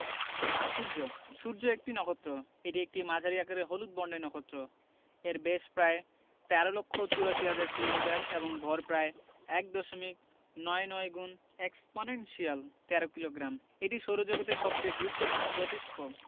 সূর্যঃ সূর্য একটি নখত্র এটি একটি মাঝারি আকারের হলুদ বর্ণের নখত্র এর ব্যাস প্রায় ১৩ লক্ষ ৮৪ হাজার কিলোমিটার এবং ভর প্রায় এক দশমিক নয় নয় গুণএক্সপনেনশিয়াল ১৩ কিলোগ্রাম এটি সৌরজগতের সবচেয়ে গুরুত্বপূর্ণ জোতিষ্ক